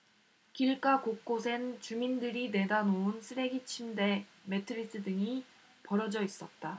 길가 곳곳엔 주민들이 내다 놓은 쓰레기 침대 매트리스 등이 버려져 있었다